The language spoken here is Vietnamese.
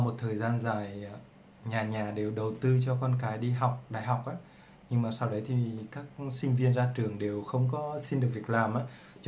sau một thời gian dài nhà nhà đầu tư cho con cái đi học đại học tuy nhiên sinh viên ra trường không xin được việc làm